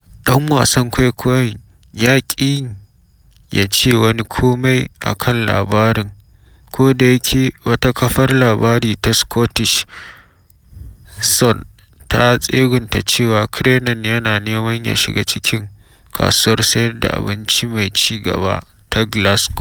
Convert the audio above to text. Ɗan wasan kwaikwayon ya ki yin ya ce wani kome a kan labarin, kodayake wata kafar labari ta Scottish Sun ta tsegunta cewa Kiernan yana neman ya shiga cikin “kasuwar sayar da abinci mai ci gaba” ta Glasgow.